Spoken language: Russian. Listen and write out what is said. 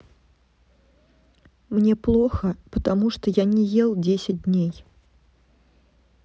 мне плохо потому что я не ел десять дней